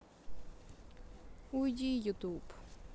уйди ютуб